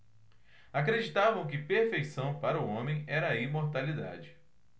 acreditavam que perfeição para o homem era a imortalidade